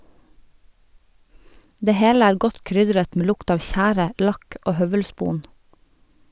Det hele er godt krydret med lukt av tjære, lakk og høvelspon.